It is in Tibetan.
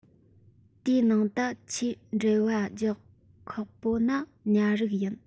དེའི ནང དུ ཆེས འགྲེལ བ རྒྱག ཁག པོ ནི ཉ རིགས ཡིན